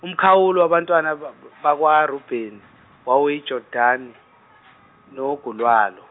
umkhawulo wabantwana b- ba- bakwaRubeni wawuyiJordani nogu lwalo.